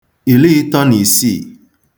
ìiìịtọ̄ nà ìsiì